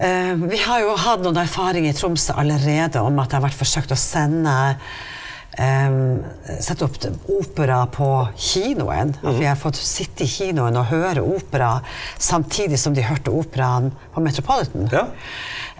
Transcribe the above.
vi har jo hatt noen erfaring i Tromsø allerede om at det har vært forsøkt å sende sette opp opera på kinoen, at vi har fått sitte i kinoen og høre opera samtidig som de hørte operaen på Metropolitan.